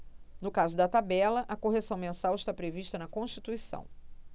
no caso da tabela a correção mensal está prevista na constituição